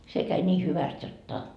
se kävi niin hyvästi jotta